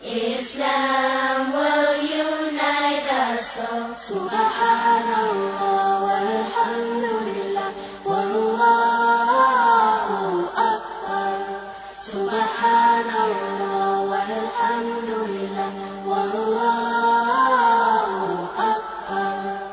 Mɔgɔ yola wa lelɔ